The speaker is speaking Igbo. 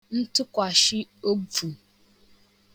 ntụkwàshịobvù